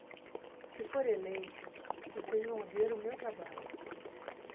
se for eleito vocês vão ver o meu trabalho